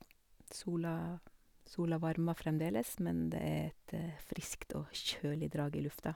sola Sola varmer fremdeles, men det er et friskt og kjølig drag i lufta.